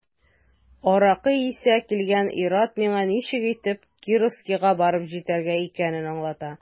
Аракы исе килгән ир-ат миңа ничек итеп Кировскига барып җитәргә икәнен аңлата.